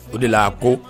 O de la ko